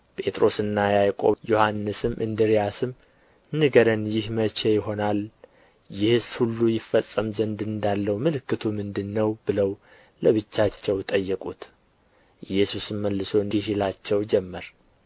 ጴጥሮስና ያዕቆብ ዮሐንስም እንድርያስም ንገረን ይህ መቼ ይሆናል ይህስ ሁሉ ይፈጸም ዘንድ እንዳለው ምልክቱ ምንድር ነው ብለው ለብቻቸው ጠየቁት ኢየሱስም መልሶ እንዲህ ይላቸው ጀመር